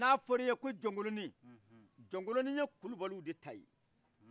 n'a fɔriye ko jɔkoloni jɔkoloniye kulubaliw de ye